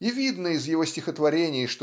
И видно из его стихотворений